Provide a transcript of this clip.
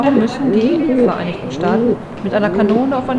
müssen die [Vereinigten Staaten] mit einer Kanone auf